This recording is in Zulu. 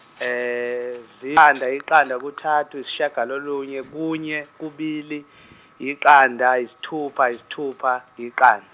iqanda iqanda kuthathu isishiyagalonye kunye kubili, iqanda isithupha isithupha iqan-.